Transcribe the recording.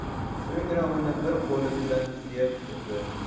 so'ngra uni bir qo'li bilan suyab turdi